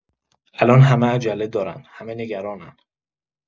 الان همه عجله دارن، همه نگرانن.